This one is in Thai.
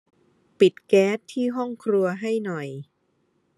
ปิดแก๊สที่ห้องครัวให้หน่อย